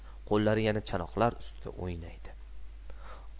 qo'llari yana chanoqlar ustida o'ynaydi